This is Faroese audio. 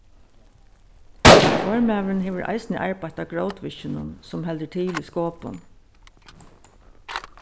formaðurin hevur eisini arbeitt á grótvirkinum sum heldur til í skopun